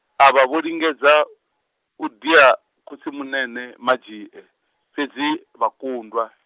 avha vho lingedza, u dia, khotsimunene Madzhie, fhedzi vha kundwa.